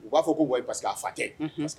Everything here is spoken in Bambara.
U b'a fɔ ko wa paseke a fa tɛ